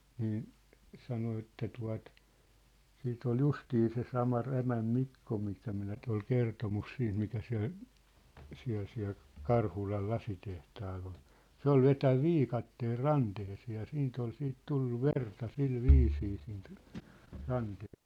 niin sanoi että tuota sitten oli justiin se sama Rämän Mikko mistä minä nyt oli kertomus siitä mikä siellä siellä siellä Karhulan lasitehtaalla oli se oli vetänyt viikatteella ranteeseen ja siitä oli sitten tullut verta sillä viisiin siitä -